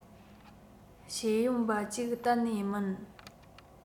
ཤེས ཡོན པ གཅིག གཏན ནས མིན